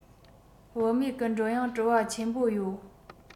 བུད མེད སྐུ མགྲོན ཡང སྤྲོ བ ཆེན པོ ཡོད